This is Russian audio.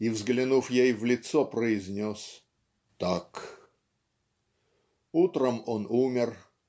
И взглянув ей в лицо, произнес: так. Утром он умер.